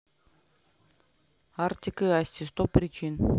артик и асти сто причин